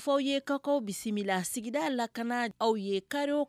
Faw ye kakaw bisimila sigida lak aw ye kari